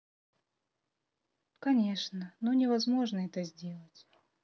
конечно но невозможно это сделать